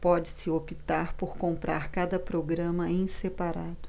pode-se optar por comprar cada programa em separado